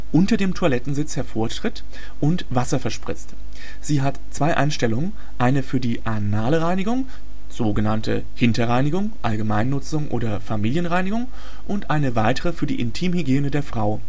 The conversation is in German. unter dem Toilettensitz hervortritt und Wasser verspritzt. Sie hat zwei Einstellungen, eine für anale Reinigung (so genannte „ Hinterreinigung “,„ Allgemeinnutzung “oder „ Familienreinigung “) und eine weitere für die Intimhygiene der Frau